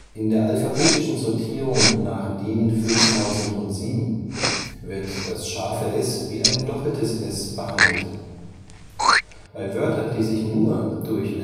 In der alphabetischen Sortierung (DIN 5007) wird das ß wie ss behandelt. Bei Wörtern, die sich nur durch